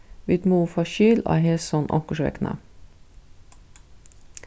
vit mugu fáa skil á hesum onkursvegna